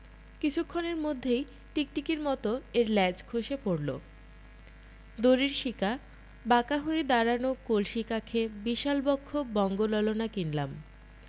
কিছুক্ষণের মধ্যেই টিকটিকির মত এর ল্যাজ ধসে পড়ল দড়ির শিকা বাঁকা হয়ে দাঁড়ানো কলসি কাঁখে বিশালা বক্ষ বঙ্গ ললনা কিনলাম